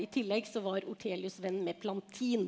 i tillegg så var Ortelius venn med Plantin.